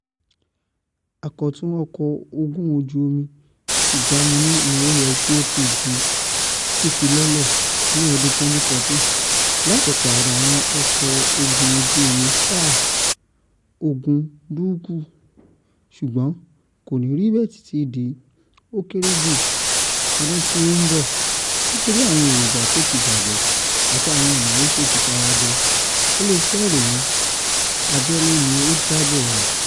Àkọ̀tun Ọkọ̀ ogun ojú omi ti Jámáànù ní ó yẹ kí ó ti di fífi lọ́lẹ̀ ní ọdún 2014 láti pààrọ̀ àwọn ọkọ̀ ogun ojú omi Sáà-ogún Dúkùú, ṣùgbọ́n kò ní rí bẹ́ẹ̀ títí di, ó kéré jù, ọdún í ó ń bọ̀ nítorí àwọn èròjà tó ti bàjẹ̀ àti àwọn ìnáwò tó ti ṣarajọ, ilé iṣẹ́ ìròyìn abẹ́léni ó jábọ̀ rẹ̀.